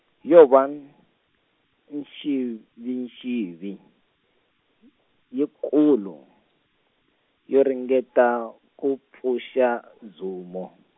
yo va n-, nxivinxivi, yikulu, yo ringeta, ku pfuxa, Zumo.